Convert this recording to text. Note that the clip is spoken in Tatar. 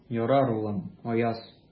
Ярар, улым, Аяз.